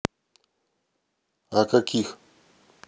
а каких